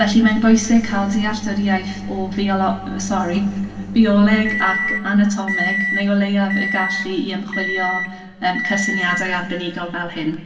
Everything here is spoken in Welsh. Felly mae'n bwysig cael dealltwriaeth o fiolo-, sori, fioleg ac anatomeg, neu o leiaf y gallu i ymchwilio , yym, cysyniadau arbenigol fel hyn.